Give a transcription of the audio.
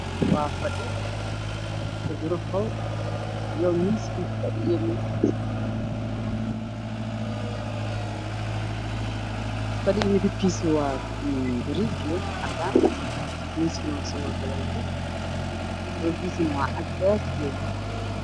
Waa fadhi ku juro qol iyo miis kiisa fadhiyo miiskisa fadhiga midabkiisa waa garijo iyo cadan miiskana waa sidoo kaleeto roogisana waa cadees iyo gaduud